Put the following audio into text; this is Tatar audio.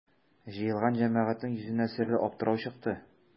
Җыелган җәмәгатьнең йөзенә серле аптырау чыкты.